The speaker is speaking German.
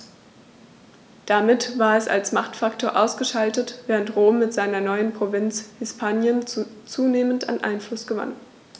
Damit war es als Machtfaktor ausgeschaltet, während Rom mit seiner neuen Provinz Hispanien zunehmend an Einfluss gewann.